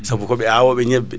saabu koɓe awoɓe ñebbe